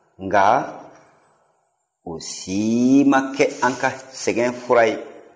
nka o si ma kɛ an ka sɛgɛnfura ye